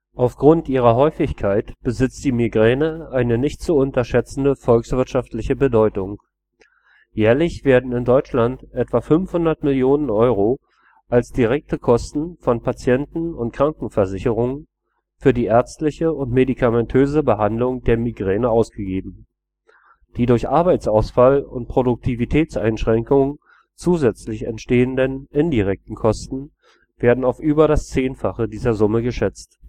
Auf Grund ihrer Häufigkeit besitzt die Migräne eine nicht zu unterschätzende volkswirtschaftliche Bedeutung. Jährlich werden in Deutschland etwa 500 Mio. Euro als direkte Kosten von Patienten und Krankenversicherungen für die ärztliche und medikamentöse Behandlung der Migräne ausgegeben. Die durch Arbeitsausfall und Produktivitätseinschränkungen zusätzlich entstehenden indirekten Kosten werden auf über das 10-fache dieser Summe geschätzt